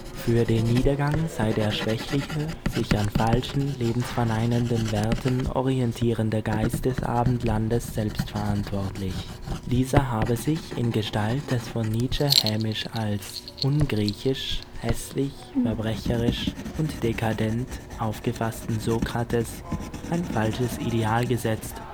Für den Niedergang sei der schwächliche, sich an falschen, lebensverneinenden Werten orientierende Geist des Abendlandes selbst verantwortlich. Dieser habe sich in Gestalt des von Nietzsche hämisch als „ ungriechisch “,„ hässlich “,„ verbrecherisch “und „ dekadent “aufgefassten Sokrates ein falsches Ideal gesetzt